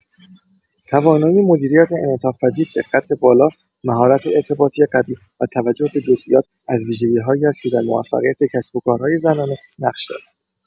توانایی مدیریت انعطاف‌پذیر، دقت بالا، مهارت ارتباطی قوی و توجه به جزئیات از ویژگی‌هایی است که در موفقیت کسب‌وکارهای زنانه نقش دارد.